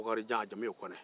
bokarijan a jamu ye kɔnɛ